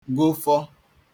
gofọ